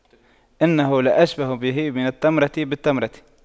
إنه لأشبه به من التمرة بالتمرة